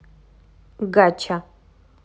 gacha